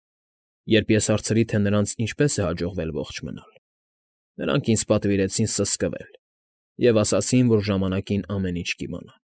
Երբ ես հարցրի, թե նրանց ինչպես է հաջողվել ողջ մնալ, նրանք ինձ պատվիրեցին սսկվել և ասացին, որ ժամանակին ամեն ինչ կիմանամ։